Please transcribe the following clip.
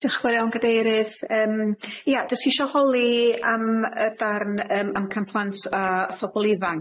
Diolch yn fawr iawn, Gadeirydd. Yym, ia jyst isio holi am y darn yym amcan plant a phobol ifanc